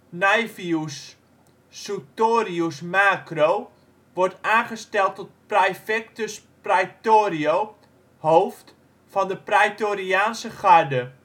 Naevius Sutorius Macro wordt aangesteld tot praefectus praetorio (hoofd) van de Praetoriaanse Garde